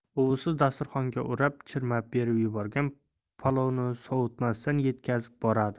buvisi dasturxonga o'rab chirmab berib yuborgan palovni sovutmasdan yetkazib boradi